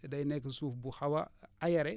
day nekk suuf bu xaw a aéré